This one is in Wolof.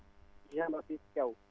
Jean Baptise Diaw